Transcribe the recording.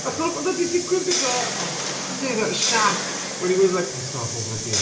Achos oedd e 'di digwydd gyda oh f- what's his name now? Shaq. When he was like pissed off over the game.